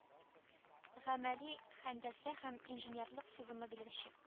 Гамәли һәндәсә һәм инженерлык сызымы белгече